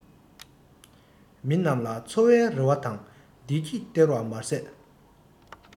མི རྣམས ལ འཚོ བའི རེ བ དང བདེ སྐྱིད སྟེར བར མ ཟད